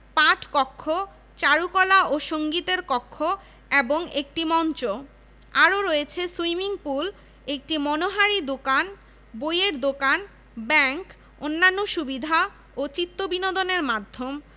rover scout association এবং পরবর্তীকালে ছাত্রীদের রেঞ্জার প্রশিক্ষণের ব্যবস্থা করা হয় ছাত্রদের বিভিন্ন প্রশিক্ষণ লেখাপড়া এবং বিশ্বের বিভিন্ন দেশে